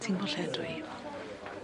Ti'n gwbo lle ydw i.